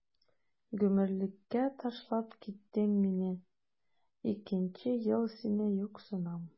Гомерлеккә ташлап киттең мине, икенче ел сине юксынам.